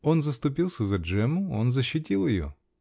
Он заступился за Джемму, он защитил ее.